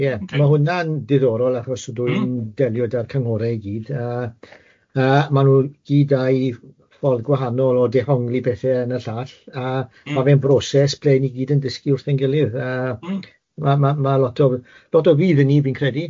...ie ma' hwnna'n diddorol... Mm. ...achos ydw i'n delio da'r cyngorau i gyd a a ma' nhw i gyda'i ffordd gwahanol o dehongli pethau hyn y llall... Mm. ...a ma' fe'n broses ple ni gyd yn dysgu wrth ein gilydd... Mm. ...a ma' ma' ma' lot o lot o fydd i ni fi'n credu.